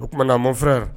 O tumana mɔn frere